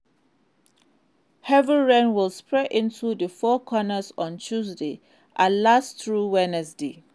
Heavy rain will spread into the Four Corners on Tuesday and last through Wednesday.